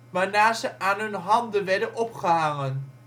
waarna ze aan hun handen werden opgehangen